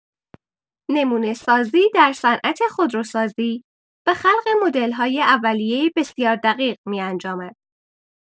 نمونه‌سازی در صنعت خودروسازی به خلق مدل‌های اولیه بسیار دقیق می‌انجامد.